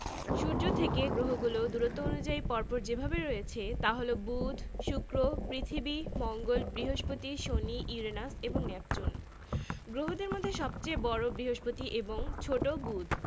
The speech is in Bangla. এই মহাবিশ্বের বিশালতার মধ্যে সৌরজগৎ নিতান্তই ছোট সূর্যঃ সূর্য একটি নক্ষত্র এটি একটি মাঝারি আকারের হলুদ বর্ণের নক্ষত্র এর ব্যাস প্রায় ১৩ লক্ষ ৮৪ হাজার কিলোমিটার এবং ভর প্রায় এক দশমিক